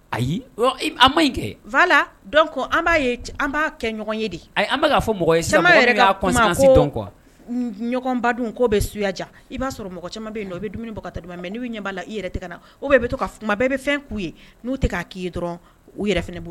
Ayi ma kɛ la dɔn b'a ye an b'a kɛ ɲɔgɔn ye de ayi an'a fɔ mɔgɔ ye'si dɔn kuwa ɲɔgɔnba dun ko bɛ suja i b'a sɔrɔ mɔgɔ caman bɛ i bɛ dumuni bɔ kata mɛ n' ɲɛ'a i yɛrɛ ka na o bɛ to ka kuma bɛɛ bɛ fɛn k'u ye n' tɛ k'a k'i dɔrɔn u yɛrɛ fana bolo